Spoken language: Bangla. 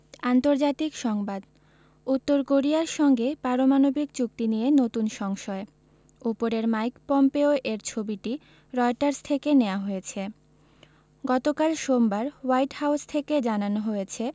আন্তর্জাতিক সংবাদ উত্তর কোরিয়ার সঙ্গে পারমাণবিক চুক্তি নিয়ে নতুন সংশয় উপরের মাইক পম্পেও এর ছবিটি রয়টার্স থেকে নেয়া হয়েছে গতকাল সোমবার হোয়াইট হাউস থেকে জানানো হয়েছে